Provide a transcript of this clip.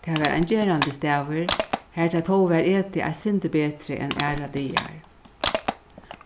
tað var ein gerandisdagur har tað tó varð etið eitt sindur betri enn aðrar dagar